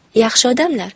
yaxshi odamlar